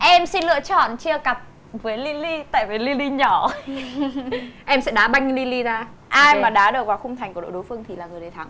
em xin lựa chọn chia cặp với ly ly tại vì ly ly nhỏ em sẽ đá banh ly ly ra ai mà đá được vào khung thành của đội đối phương thì người đó thắng